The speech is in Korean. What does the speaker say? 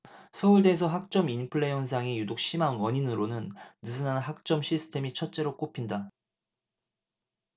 서울대에서 학점 인플레 현상이 유독 심한 원인으로는 느슨한 학점 시스템이 첫째로 꼽힌다